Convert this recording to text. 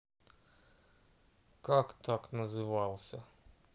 как так назывался